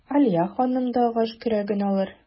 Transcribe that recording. Алия ханым да агач көрәген алыр.